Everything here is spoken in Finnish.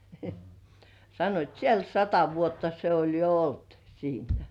sanoivat siellä sata vuotta se oli jo ollut siinä